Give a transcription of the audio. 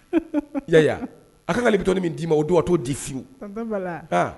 Ya a ko'ale dɔɔnin min d'i ma o don'o di fwu